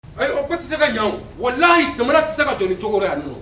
Ayi o tɛ se ka jan wala layi jamana tɛ se ka jɔn ni cogo yan don